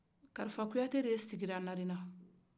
karifa kuyate de sigira narena